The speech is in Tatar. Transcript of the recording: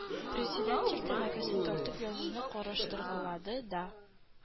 Председатель, тәмәкесен тартып, язуны караштырга-лады да: